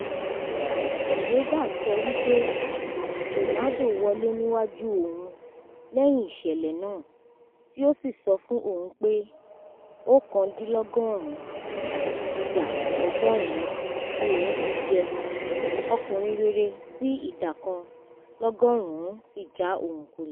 Mayorga sọ wípé Ronaldo wólẹ̀ níwájú òhun lẹ́yìn ìṣẹ̀lẹ̀ náà tí ó sì sọ fún òun pé “99 ìdá ọgọ́rùn ún” ní òun fi jẹ́ “ọkùrin rere” tí “ìdá kan l’ọ́gọ́rù ún” sì já òhun kulẹ̀.